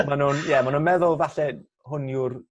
ma' nw'n ie ma' nw'n meddwl 'falle hwn yw'r